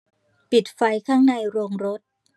ปิดไฟข้างในโรงรถ